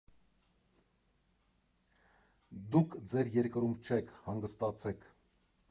Դուք ձեր երկրում չեք, հանգստացեք…